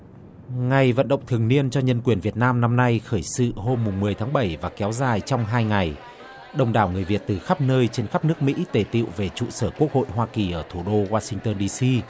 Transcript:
ngày vận động thường niên cho nhân quyền việt nam năm nay khởi sự hôm mùng mười tháng bảy và kéo dài trong hai ngày đông đảo người việt từ khắp nơi trên khắp nước mỹ tề tựu về trụ sở quốc hội hoa kỳ ở thủ đô goa sinh tơn đi xi